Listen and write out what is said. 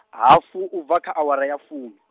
hafu ubva kha awara ya fumi.